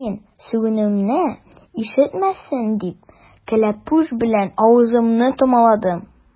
Мин, сүгенүем ишетелмәсен дип, кәләпүшем белән авызымны томаладым.